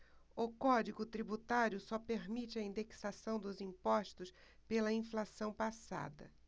o código tributário só permite a indexação dos impostos pela inflação passada